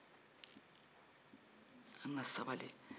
an ka sabali